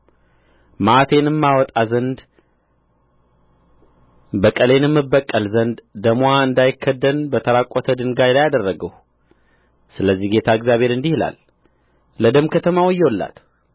መዓቴን አወጣ ዘንድ በቀሌንም እበቀል ዘንድ ደምዋ እንዳይከደን በተራቈተ ድንጋይ ላይ አደረግሁ ስለዚህ ጌታ እግዚአብሔር እንዲህ ይላል ለደም ከተማ ወዮላት